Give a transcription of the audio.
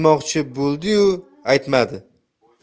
demoqchi bo'ldi yu aytmadi